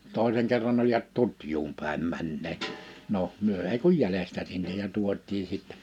toisen kerran oli Tutjuun päin menneet no me ei kuin jäljestä sinne ja tuotiin sitten